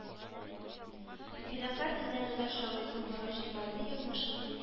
Фидакарь эзләнүләр шагыйрьнең фаҗигале язмышын